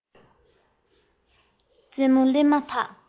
རྩེ མོར སླེབས མ ཐག པ